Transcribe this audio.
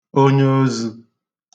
onyeozə